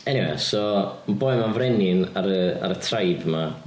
Eniwe so ma'r boi ma'n frenin ar yy y tribe 'ma.